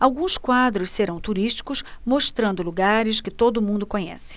alguns quadros serão turísticos mostrando lugares que todo mundo conhece